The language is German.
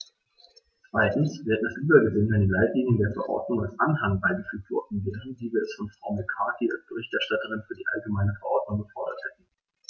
Zweitens: Wir hätten es lieber gesehen, wenn die Leitlinien der Verordnung als Anhang beigefügt worden wären, wie wir es von Frau McCarthy als Berichterstatterin für die allgemeine Verordnung gefordert hatten.